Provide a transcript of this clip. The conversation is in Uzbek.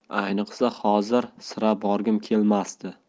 ayniqsa hozir sira borgim kelmasdi